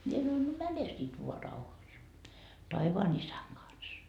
minä sanoin no mene sitten vain rauhassa taivaan isän kanssa